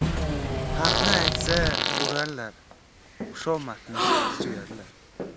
haqni aytsa urarlar xushomadni suyarlar